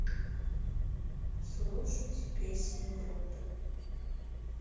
слушать песни группы